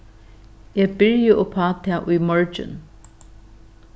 eg byrji uppá tað í morgin